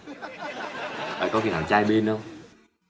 ê có khi nào chai bin không